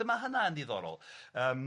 A ma' hynna yn ddiddorol yym